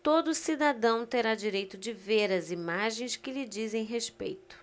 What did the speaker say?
todo cidadão terá direito de ver as imagens que lhe dizem respeito